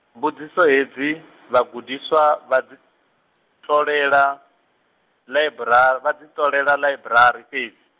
mbudziso hedzi, vhagudiswa vha dzi, ṱolela, laiburar-, vha dzi ṱolela ḽaiburari fhedzi.